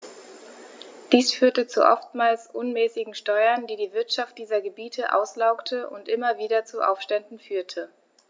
Dies führte zu oftmals unmäßigen Steuern, die die Wirtschaft dieser Gebiete auslaugte und immer wieder zu Aufständen führte.